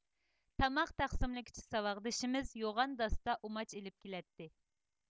تاماق تەقسىملىگۈچى ساۋاقدىشىمىز يوغان داستا ئۇماچ ئېلىپ كېلەتتى